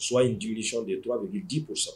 Su in jigisi de ye tu b bɛi dip sa